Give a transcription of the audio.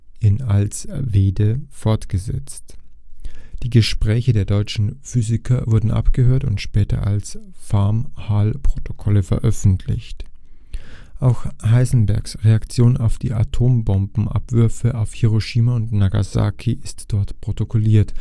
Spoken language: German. in Alswede fortgesetzt. Die Gespräche der deutschen Physiker wurden abgehört und später als Farm-Hall-Protokolle veröffentlicht. Auch Heisenbergs Reaktion auf die Atombombenabwürfe auf Hiroshima und Nagasaki ist dort protokolliert